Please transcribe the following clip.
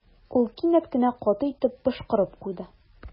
Ул кинәт кенә каты итеп пошкырып куйды.